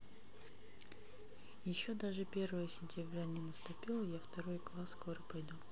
еще даже первое сентября не наступила я второй класс скоро пойду